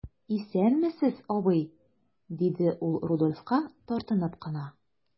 Исәнмесез, абый,– диде ул Рудольфка, тартынып кына.